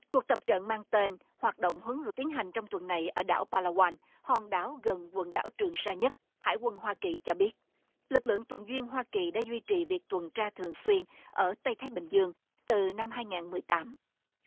cuộc tập trận mang tên hoạt động huấn luyện được tiến hành trong tuần này ở đảo pa la goan hòn đảo gần quần đảo trường sa nhất hải quân hoa kỳ cho biết lực lượng tuần duyên hoa kỳ đã duy trì việc tuần tra thường xuyên ở tây thái bình dương từ năm hai ngàn mười tám